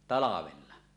talvella